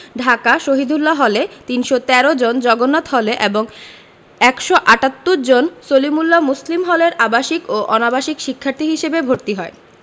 ঢাকা শহীদুল্লাহ হলে ৩১৩ জন জগন্নাথ হলে এবং ১৭৮ জন সলিমুল্লাহ মুসলিম হলের আবাসিক ও অনাবাসিক শিক্ষার্থী হিসেবে ভর্তি হয়